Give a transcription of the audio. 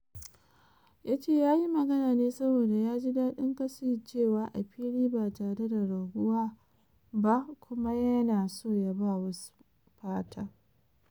Ya ce ya yi magana ne saboda ya ji daɗin kasancewa a fili ba tare da raguwa ba kuma yana so ya ba wasu "fata".